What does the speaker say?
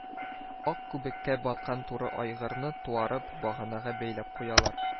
Ак күбеккә баткан туры айгырны, туарып, баганага бәйләп куялар